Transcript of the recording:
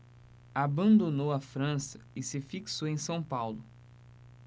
abandonou a frança e se fixou em são paulo